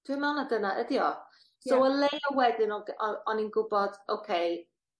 dwi' me'wl mai dyna ydi o. Ie. So o leia wedyn o' g- o- o'n i'n gwbod oce,